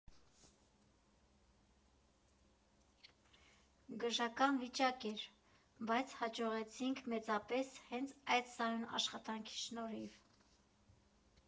Գժական վիճակ էր, բայց հաջողեցինք մեծապես հենց այդ սահուն աշխատանքի շնորհիվ։